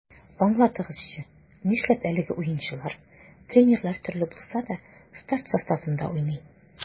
Аңлатыгызчы, нишләп әлеге уенчылар, тренерлар төрле булса да, старт составында уйный?